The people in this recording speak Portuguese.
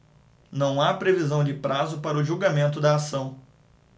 não há previsão de prazo para o julgamento da ação